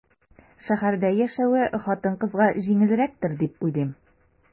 Шәһәрдә яшәве хатын-кызга җиңелрәктер дип уйлыйм.